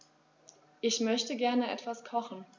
Ich möchte gerne etwas kochen.